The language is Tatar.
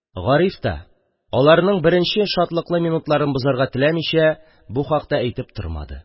Гариф та, аларның беренче шатлыклы минутларын бозарга теләмичә, бу хакта әйтеп тормады.